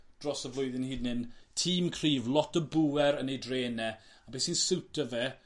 dros y flwyddyn hyd yn hyn. Tîm cryf lot o bŵer yn ei drên e. A be' sy'n siwto fe